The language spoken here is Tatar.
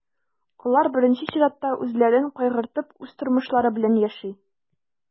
Алар, беренче чиратта, үзләрен кайгыртып, үз тормышлары белән яши.